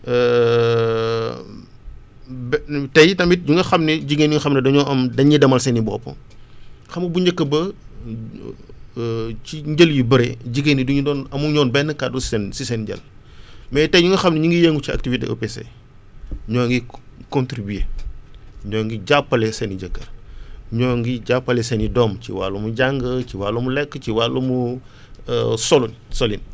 ba tey tamit ñi nga xam ne jigée yoo xam ne dañoo am dañuy demal seen i bopp xam nga bu njëkk ba ci njël yu bëre jigéen ñi du ñu doon amuñu woon benn kàddu ci seen ci seen njël mais tey ñi nga xam ne ñu ngi yëngu ci activité EPC ñoo ngi contribuer ñoo ngi jàppale seen i jëkkër ñoo ngi jàppale seen i doom ci wàllum jàng ci wàllum lekk ci wàllum solu solin